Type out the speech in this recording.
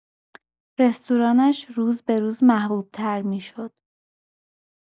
رستورانش روزبه‌روز محبوب‌تر می‌شد.